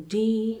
Di